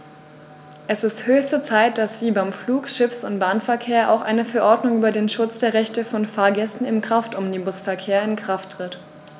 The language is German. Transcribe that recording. Es ist höchste Zeit, dass wie beim Flug-, Schiffs- und Bahnverkehr auch eine Verordnung über den Schutz der Rechte von Fahrgästen im Kraftomnibusverkehr in Kraft tritt.